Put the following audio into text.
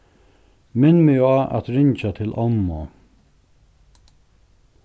minn meg á at ringja til ommu